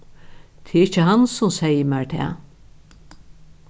tað er ikki hann sum segði mær tað